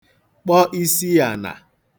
kpọ isiànà